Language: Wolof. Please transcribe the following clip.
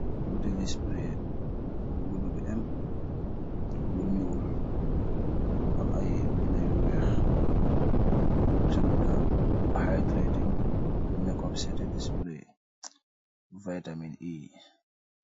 bottel li spray , bu kudaah bu emm , bu null , emm ayy bendaah yu weeh , nunfa bendah hydrating makeup setting spray vitamin E.